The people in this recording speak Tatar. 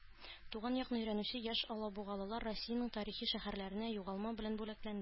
Туган якны өйрәнүче яшь алабугалылар Россиянең тарихи шәһәрләренә юллама белән бүләкләнде